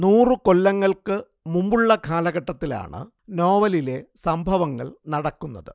നൂറു കൊല്ലങ്ങൾക്കു മുമ്പുള്ള കാലഘട്ടത്തിലാണ് നോവലിലെ സംഭവങ്ങൾ നടക്കുന്നത്